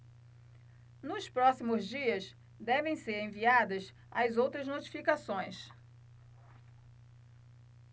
nos próximos dias devem ser enviadas as outras notificações